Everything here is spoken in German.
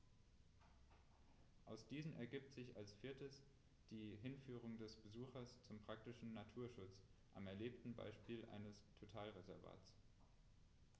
Aus diesen ergibt sich als viertes die Hinführung des Besuchers zum praktischen Naturschutz am erlebten Beispiel eines Totalreservats.